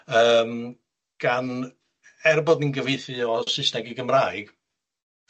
yym gan... Er bod ni'n gyfieithu o Saesneg i Gymraeg,